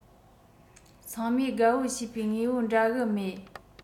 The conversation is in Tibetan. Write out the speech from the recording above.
ཚང མས དགའ པོ བྱེད པའི དངོས པོ འདྲ གི མེད